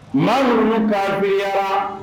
Ma mun' wa